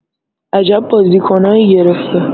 عجب بازیکنایی گرفته